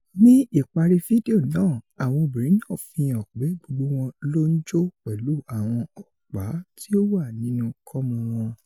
Ní ìparí fídíò náà, àwọn obìnrin náà fi hàn pé gbogbo wọn ló ń jó pẹ̀lú àwọn ọ̀pá tí ó wà nínú kọ́mú wọn.